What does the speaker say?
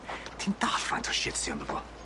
Ti'n dallt faint o shit ti ynddo fo?